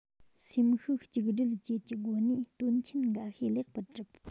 སེམས ཤུགས གཅིག སྒྲིལ བཅས ཀྱི སྒོ ནས དོན ཆེན འགའ ཤས ལེགས པར བསྒྲུབས